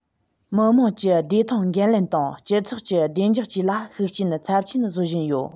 མི དམངས ཀྱི བདེ ཐང འགན ལེན དང སྤྱི ཚོགས ཀྱི བདེ འཇགས བཅས ལ ཤུགས རྐྱེན ཚབས ཆེན བཟོ བཞིན ཡོད